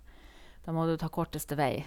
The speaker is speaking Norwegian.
Da må du ta korteste vei.